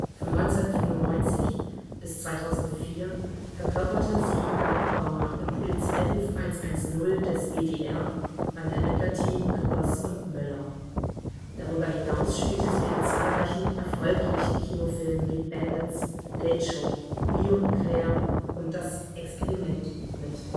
Von 1995 bis 2004 verkörperte sie Gabi Bauer im Polizeiruf 110 des WDR (Ermittlerteam: Küppers und Möller). Darüber hinaus spielte sie in zahlreichen erfolgreichen Kinofilmen wie Bandits, Late Show, Leo und Claire und Das Experiment mit